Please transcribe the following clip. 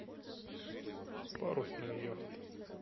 парусная яхта